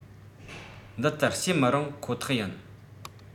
འདི ལྟར བཤད མི རུང ཁོ ཐག ཡིན